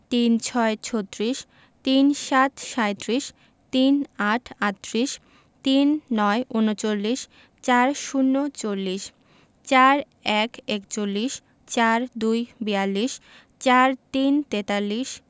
৩৬ - ছত্রিশ ৩৭ - সাঁইত্রিশ ৩৮ - আটত্রিশ ৩৯ - ঊনচল্লিশ ৪০ - চল্লিশ ৪১ - একচল্লিশ ৪২ - বিয়াল্লিশ ৪৩ - তেতাল্লিশ